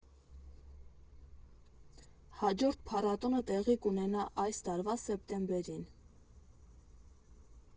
Հաջորդ փառատոնը տեղի կունենա այս տարվա սեպտեմբերին։